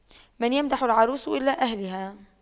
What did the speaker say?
من يمدح العروس إلا أهلها